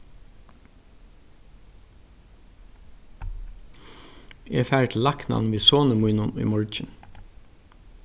eg fari til læknan við soni mínum í morgin